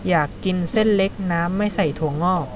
อยากกินเส้นเล็กน้ำไม่ใส่ถั่วงอก